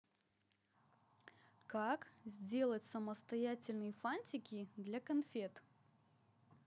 как сделать самодельные фантики для конфет